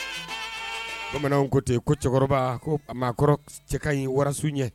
Bamananw ko ten ko cɛkɔrɔba ko a makɔrɔ cɛ ka ɲi waso ye